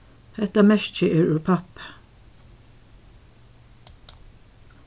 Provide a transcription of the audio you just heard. hetta merkið er úr pappi